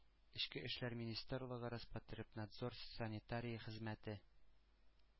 Эчке эшләр министрлыгы, Роспотребнадзор, санитария хезмәте,